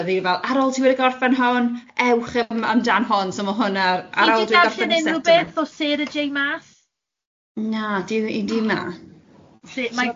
oedd hi fel, ar ôl ti wedi gorffen hwn, ewch yym amdan hon, so ma' hwnna... Ti 'di darllen unrhyw beth o Sarah J. Maas?